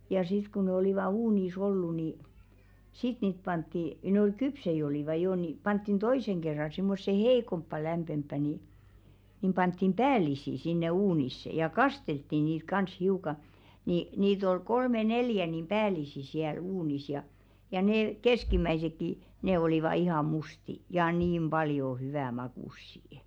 ja sitten kun ne olivat uunissa ollut niin sitten niitä pantiin ne oli kypsiä olivat jo niin pantiin toisen kerran semmoiseen heikompaan lämpimämpään niin niin pantiin päällisin sinne uuniin ja kasteltiin niitä kanssa hiukan niin niitä oli kolme neljä niin päällisin siellä uunissa ja ja ne keskimmäisetkin ne olivat ihan mustia ja niin paljon hyvän makuisia